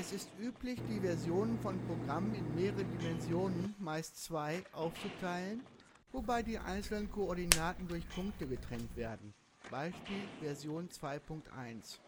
ist üblich, die Versionen von Programmen in mehrere Dimensionen (meist 2) aufzuteilen, wobei die einzelnen Koordinaten durch Punkte getrennt werden. Beispiel Version 2.1